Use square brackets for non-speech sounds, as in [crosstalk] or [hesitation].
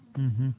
[hesitation] [hesitation]